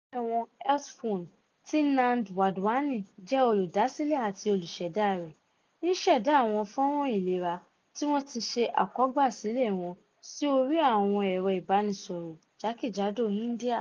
Ilé-iṣẹ́ wọn, HealthPhone, tí Nand Wadhwani jẹ́ olùdásílẹ̀ àti olùṣẹ̀dá rẹ̀, ń ṣẹ̀dá àwọn fọ́nràn ìlera tí wọ́n ti ṣe àkọ́gbàsílẹ̀ wọn sí orí àwọn ẹ̀rọ ìbánisọ̀rọ̀ jákèjádò India.